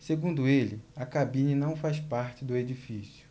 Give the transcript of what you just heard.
segundo ele a cabine não faz parte do edifício